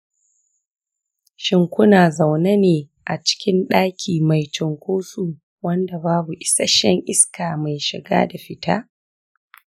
shin kuna zaune ne a cikin ɗaki mai cunkoso wanda babu isasshen iska mai shiga da fita?